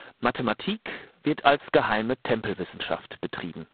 Mathematik wird als geheime Tempelwissenschaft betrieben